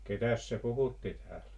ketäs se puhutti täällä